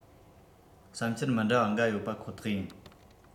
བསམ འཆར མི འདྲ བ འགའ ཡོད པ ཁོ ཐག ཡིན